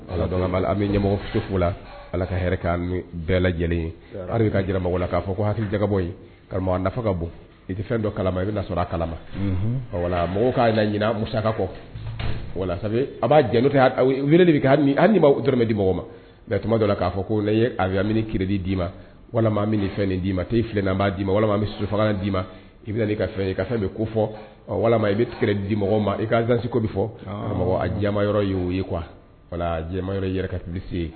An bɛ ɲɛmɔgɔ la ala ka bɛɛ lajɛlen ye hali bɛ ka k'a fɔ ko hakili jakabɔ karamɔgɔ ka bon i tɛ fɛn dɔ kala i bɛ sɔrɔ a kalama wala kaa muka kɔ wala a b'a jɛ to demɛ di mɔgɔw ma nka tuma dɔ la k'a fɔ ko ayamini kidi d'i ma walima bɛ nin fɛn nin d'i ma' filɛna b'a di'i walima bɛ su fanga d'i ma i bɛ i ka fɛn i ka fɛn bɛ ko fɔ walima i bɛ di mɔgɔw i kazseko bɛ fɔ karamɔgɔ jamama yɔrɔ ye'o ye wala yɔrɔ yɛrɛ ka kise ye